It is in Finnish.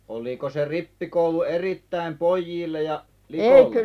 oliko se rippikoulu erittäin pojille ja likoille